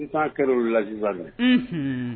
N' kɛra o lajifa don